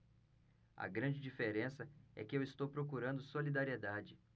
a grande diferença é que eu estou procurando solidariedade